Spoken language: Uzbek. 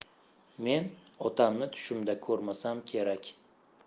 men otamni tushimda ko'rmasam kerak